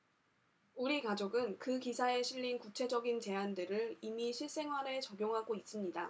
우리 가족은 그 기사에 실린 구체적인 제안들을 이미 실생활에 적용하고 있습니다